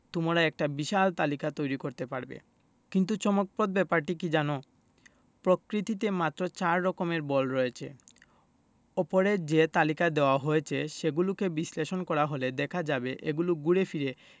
তোমরা একটা বিশাল তালিকা তৈরি করতে পারবে কিন্তু চমকপ্রদ ব্যাপারটি কী জানো প্রকৃতিতে মাত্র চার রকমের বল রয়েছে ওপরে যে তালিকা দেওয়া হয়েছে সেগুলোকে বিশ্লেষণ করা হলে দেখা যাবে এগুলো ঘুরে ফিরে